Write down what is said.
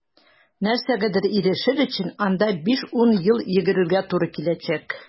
Нәрсәгәдер ирешер өчен анда 5-10 ел йөгерергә туры киләчәк.